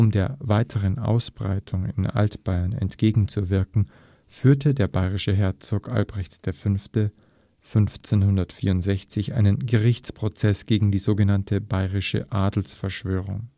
der weiteren Ausbreitung in Altbayern entgegenzuwirken, führte der bayerische Herzog Albrecht V. 1564 einen Gerichtsprozess gegen die sogenannte Bayerische Adelsverschwörung